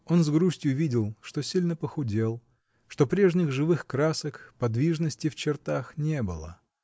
Он с грустью видел, что сильно похудел, что прежних живых красок, подвижности в чертах не было.